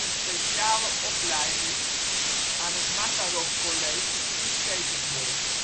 speciale opleiding aan het Makarov college in Sint-Petersburg